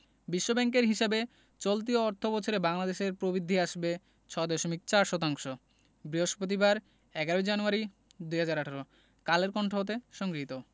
বিশ্বব্যাংকের হিসাবে চলতি অর্থবছরে বাংলাদেশের প্রবৃদ্ধি আসবে ৬.৪ শতাংশ বৃহস্পতিবার ১১ জানুয়ারি ২০১৮ কালের কন্ঠ হতে সংগৃহীত